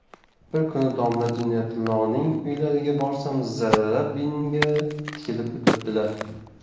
bir kuni domla inoyatulloning uylariga borsam zarrabinga tikilib o'tiribdilar